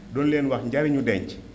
doon leen wax njëriñu denc